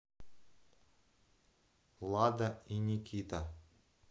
лада и никита